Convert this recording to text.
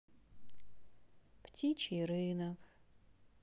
птичий рынок